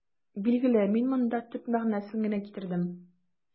Билгеле, мин монда төп мәгънәсен генә китердем.